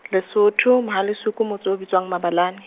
Lesotho, Mohale's hoek u motse o bitswang Mabalane.